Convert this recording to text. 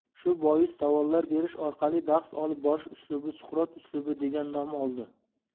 shu bois savollar berish orqali bahs olib borish uslubi suqrot uslubi degan nom oldi